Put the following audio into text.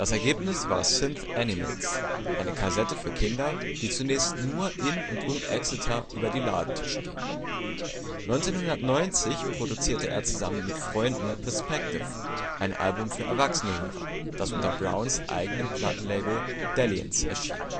Ergebnis war SynthAnimals, eine Kassette für Kinder, die zunächst nur in und um Exeter über die Ladentische ging. 1990 produzierte er zusammen mit Freunden Perspective, ein Album für erwachsene Hörer, das unter Browns eigenem Plattenlabel Dalliance erschien